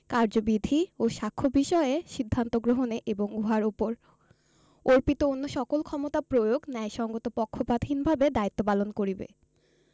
কার্যবিধি ও সাখ্য বিষয়ে সিদ্ধান্ত গ্রহণে এবং উহার উপর অর্পিত অন্য সকল ক্ষমতা প্রয়োগ ন্যায়সংগত পক্ষপাতহীনভাবে দায়িত্বপালন করিবে